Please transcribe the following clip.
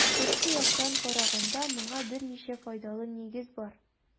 Тышкы яктан караганда моңа берничә файдалы нигез бар.